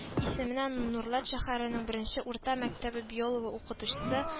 Исеменә нурлат шәһәренең беренче урта мәктәбе биолога укытучысы